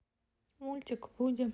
мультик вуди